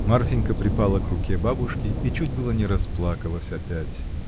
Марфинька припала к руке бабушки и чуть было не расплакалась опять.